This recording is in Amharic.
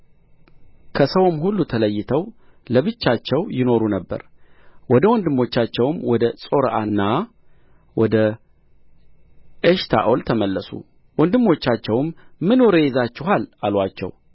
ከሰውም ሁሉ ተለይተው ለብቻቸው ይኖሩ ነበር ወደ ወንድሞቻቸውም ወደ ጾርዓና ወደ ኤሽታኦል ተመለሱ ወንድሞቻቸውም ምን ወሬ ይዛችኋል አሉአቸው